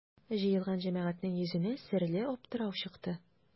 Җыелган җәмәгатьнең йөзенә серле аптырау чыкты.